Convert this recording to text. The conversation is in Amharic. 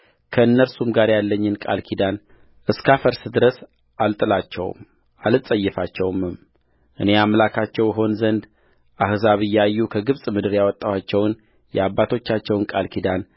ከእነርሱም ጋር ያለኝን ቃል ኪዳን እስካፈርስ ድረስ አልጥላቸውም አልጸየፋቸውምምእኔ አምላካቸው እሆን ዘንድ አሕዛብ እያዩ ከግብፅ ምድር ያወጣኋቸውን የአባቶቻቸውን ቃል ኪዳን